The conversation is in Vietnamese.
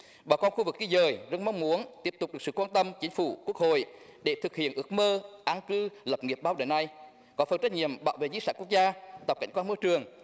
bà con khu vực di dời rất mong muốn tiếp tục được sự quan tâm chính phủ quốc hội để thực hiện ước mơ an cư lập nghiệp bao đời nay có phần trách nhiệm bảo vệ di sản quốc gia tập cảnh quan môi trường